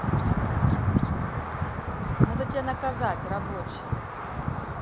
надо тебя наказать рабочий